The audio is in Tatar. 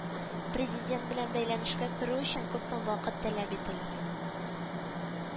Президент белән бәйләнешкә керү өчен күпме вакыт таләп ителер